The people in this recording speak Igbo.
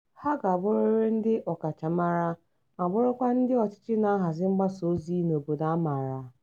Ha ga-abụrịrị ndị ọkachamara ma bụrụkwa ndị ndị ọchịchị na-ahazi mgbasa ozi n'obodo a mara.